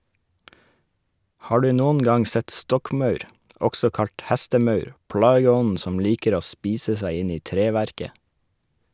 Har du noen gang sett stokkmaur, også kalt hestemaur, plageånden som liker å spise seg inn i treverket?